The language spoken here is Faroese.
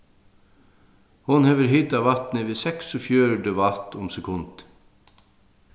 hon hevur hitað vatnið við seksogfjøruti watt um sekundið